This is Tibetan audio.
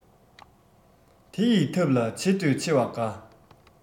དེ ཡི ཐབས ལ ཆེ འདོད ཆེ བ དགའ